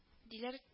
Диләр